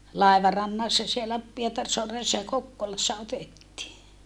laivarannassa siellä Pietarsaaressa ja Kokkolassa otettiin